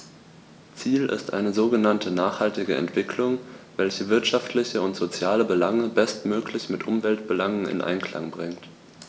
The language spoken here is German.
Ziel ist eine sogenannte nachhaltige Entwicklung, welche wirtschaftliche und soziale Belange bestmöglich mit Umweltbelangen in Einklang bringt.